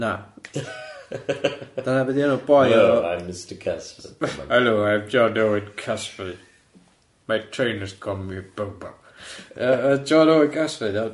Na. dyna be di enw'r boi o oh I'm Mr Cas- I know I'm John Owen Casford, my trainers call me Bow Bow yy yy John Owen Casford iawn?